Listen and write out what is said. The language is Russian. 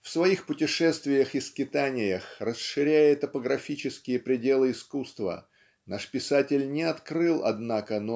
В своих путешествиях и скитаниях расширяя топографические пределы искусства наш писатель не открыл однако